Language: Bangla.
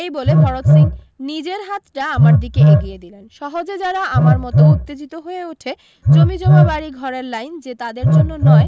এই বলে ভরত সিং নিজের হাতটা আমার দিকে এগিয়ে দিলেন সহজে যারা আমার মতো উত্তেজিত হয়ে ওঠে জমিজমা বাড়ী ঘরের লাইন যে তাদের জন্য নয়